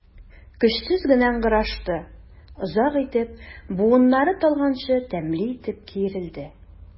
Көчсез генә ыңгырашты, озак итеп, буыннары талганчы тәмле итеп киерелде.